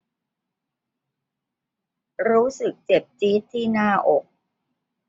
รู้สึกเจ็บจี๊ดที่หน้าอก